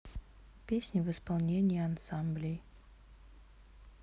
песни в исполнении ансамблей